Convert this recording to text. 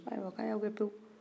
ko ayiwa ko aw ye aw kɛ pewu